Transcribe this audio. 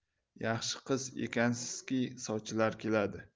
yaxshi qiz ekansizki sovchilar keladi